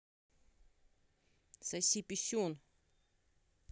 соси писюн